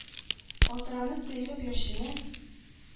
Калтыранып, төелеп яшенә,